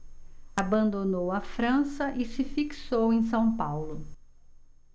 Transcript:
abandonou a frança e se fixou em são paulo